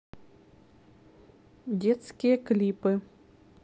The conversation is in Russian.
детские клипы